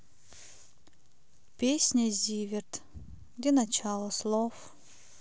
песня зиверт где начало слов